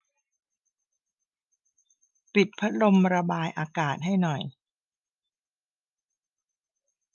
ปิดพัดลมระบายอากาศให้หน่อย